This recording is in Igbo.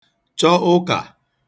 chọ ụkà